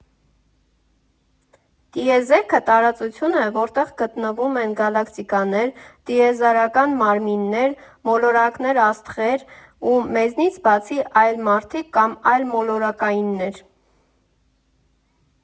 Տիեզերքը տարածություն է, որտեղ գտնվում են գալակտիկաներ, տիեզերական մարմիններ, մոլորակներ աստղեր, ու մեզնից բացի այլ մարդիկ կամ այլմոլորակայիններ։